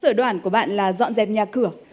sở đoản của bạn là dọn dẹp nhà cửa